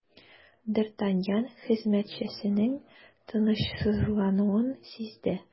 Д’Артаньян хезмәтчесенең тынычсызлануын сизде.